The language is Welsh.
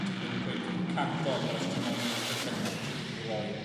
dyw e ddim cweit w- cant doler os ti moyn un o'r pecyne ti'n gellu roi...